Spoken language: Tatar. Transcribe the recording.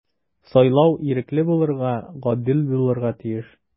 Сайлау ирекле булырга, гадел булырга тиеш.